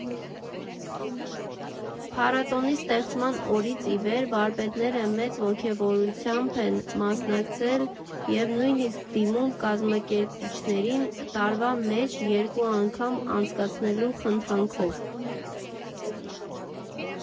Փառատոնի ստեղծման օրից ի վեր վարպետները մեծ ոգևորությամբ են մասնակցում և նույնիսկ դիմում կազմակերպիչներին՝ տարվա մեջ երկու անգամ անցկացնելու խնդրանքով։